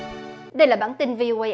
đây là bản tin vi ô ây